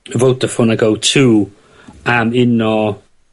vodaphone ag oh two am uno